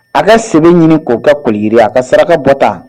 A ka sɛbɛn ɲini k'o ka koliiri a ka saraka bɔta